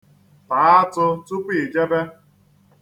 Taa atụ tupu i jebe.